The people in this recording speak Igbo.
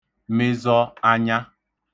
mịzọ anya